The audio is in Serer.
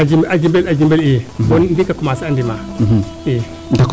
i a jimbel i bo ndiika commencer a ndimaa